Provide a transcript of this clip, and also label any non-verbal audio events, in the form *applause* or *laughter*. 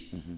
*hesitation* *hesitation*